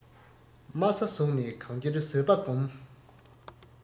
དམའ ས བཟུང ནས གང ཅིར བཟོད པ སྒོམ